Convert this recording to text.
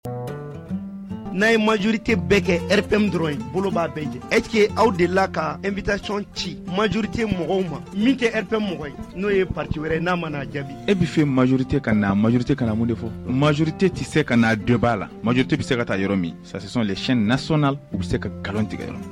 N'a ye majrite bɛɛ kɛ rep dɔrɔn ye bolo bɛɛ jɛ eti aw de la k ka e bɛcɔn ci majorite mɔgɔw ma min tɛ p mɔgɔ n'o ye pati wɛrɛ n'a mana jaabi e bɛ fɛ majrite ka a majurute kana mun de fɔ majorite tɛ se ka a dɔba a la maj te bɛ se ka taa yɔrɔ min sisansi le naso u bɛ se ka nkalon tigɛyɔrɔ